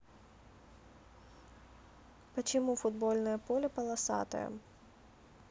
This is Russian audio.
почему футбольное поле полосатая